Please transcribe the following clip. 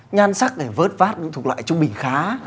nhan sắc này vớt vát cũng thuộc loại trung bình khá